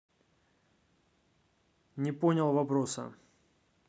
не понял вопроса